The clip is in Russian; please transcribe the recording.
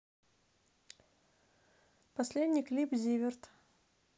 последний клип zivert